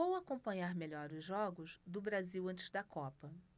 vou acompanhar melhor os outros jogos do brasil antes da copa